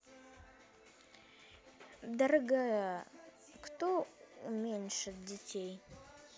дорогая кто уменьшил детей